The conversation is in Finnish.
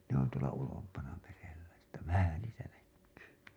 ne on tuolla ulompana merellä että vähän niitä näkyy